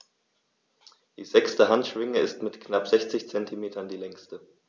Die sechste Handschwinge ist mit knapp 60 cm die längste.